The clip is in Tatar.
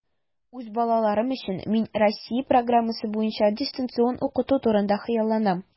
Үз балаларым өчен мин Россия программасы буенча дистанцион укыту турында хыялланам.